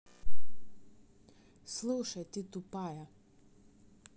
слушай ты тупая